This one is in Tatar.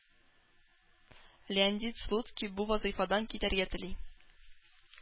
Леондид Слуцкий бу вазыйфадан китәргә тели.